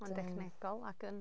Mae'n dechnegol ac yn...